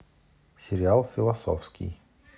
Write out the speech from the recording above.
сериал философский